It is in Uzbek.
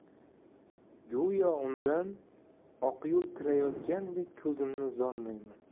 go'yo undan oq yo'l tilayotgandek ko'zimni uzolmayman